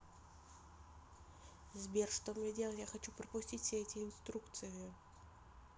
сбер что мне делать я хочу пропустить все эти инструкции